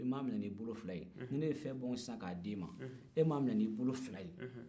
e m'a minɛ ni bolo fila ye ni ne ye fɛn bɔ sisan k'a d'e ma e ma minɛ ni bolo fila ye